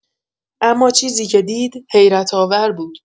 اما چیزی که دید، حیرت‌آور بود!